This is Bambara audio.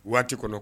Waati kɔnɔ